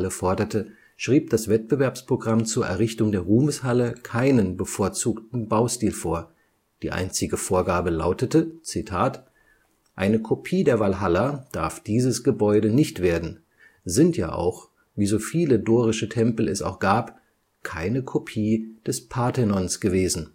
forderte, schrieb das Wettbewerbsprogramm zur Errichtung der Ruhmeshalle keinen bevorzugten Baustil vor, die einzige Vorgabe lautete: „ eine Kopie der Walhalla darf dieses Gebäude nicht werden, sind ja auch, so viele dorische Tempel es auch gab, keine Kopie des Parthenons gewesen